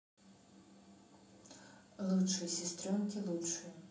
лучшие сестренки лучшие